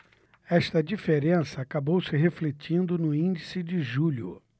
esta diferença acabou se refletindo no índice de julho